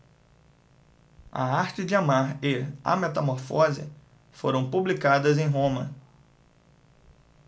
a arte de amar e a metamorfose foram publicadas em roma